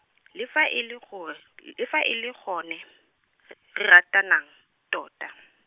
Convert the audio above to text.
le fa e le gore, le fa e le gone, r- ratanang, tota.